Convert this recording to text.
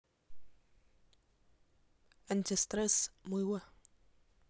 антистресс мыло